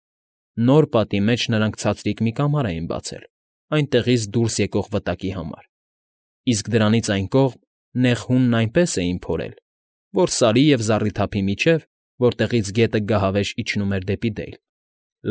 Նոր պատի մեջ նրանք ցածրիկ մի կամար էին բացել այնտեղից դուրս եկող վտակի համար, իսկ դրանից այն կողմ նեղ հունն այնպես էին փորել, որ Սարի ու զառիթափի միջև, որտեղից գետը գահավեժ իջնում էր դեպի Դեյլ,